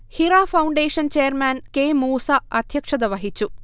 Hira foundation chairman K. Moosa അധ്യക്ഷത വഹിച്ചു